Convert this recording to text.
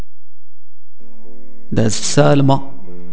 سالمه